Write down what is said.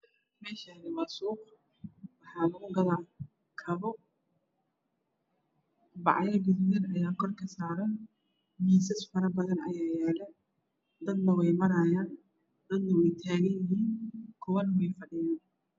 Mesgani waa suuq waxa laku gada kobo baco gaduudan aa korka kasaran misas fara badan aya yalo dadnah wey marayan danah weey tagan yahin kuwan weey fadhiyan